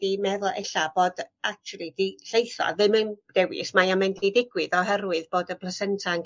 'di meddwl ella fod actually 'di llaetha ddim yn dewis mai e'n mynd i ddigwydd oherwydd bod y plaaenta'n